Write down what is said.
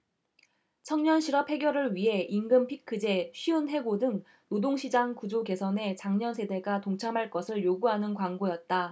청년실업 해결을 위해 임금피크제 쉬운 해고 등 노동시장 구조 개선에 장년 세대가 동참할 것을 요구하는 광고였다